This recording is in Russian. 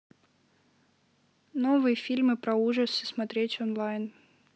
новые фильмы про ужасы смотреть онлайн